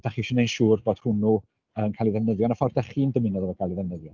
Dach chi isio wneud siŵr bod hwnnw yn cael ei ddefnyddio yn y ffordd dach chi'n dymuno iddo fo gael ei ddefnyddio.